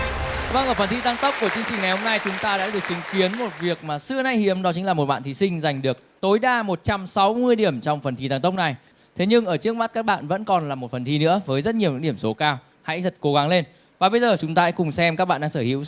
vâng ở phần thi tăng tốc của chương trình ngày hôm nay chúng ta đã được chứng kiến một việc mà xưa nay hiếm đó chính là một bạn thí sinh giành được tối đa một trăm sáu mươi điểm trong phần thi tăng tốc này thế nhưng ở trước mắt các bạn vẫn còn là một phần thi nữa với rất nhiều điểm số cao hãy thật cố gắng lên và bây giờ chúng ta cùng xem các bạn đang sở hữu